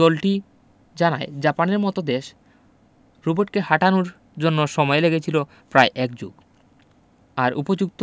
দলটি জানায় জাপানের মতো দেশে রোবটকে হাঁটানোর জন্য সময় লেগেছিল প্রায় এক যুগ আর উপযুক্ত